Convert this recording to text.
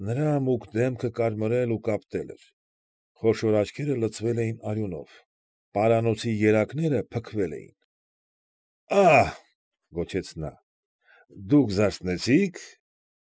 Նրա մուգ դեմքը կարմրել ու կապտել էր, խոշոր աչքերը լցվել էին արյունով, պարանոցի երակները փքվել էին։ ֊ Ա՜հ,֊ գոչեց նա,֊ դուք զարթնեցի՞ք։